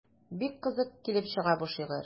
Бик кызык килеп чыга бу шигырь.